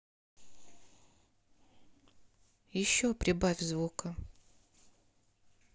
еще прибавь звук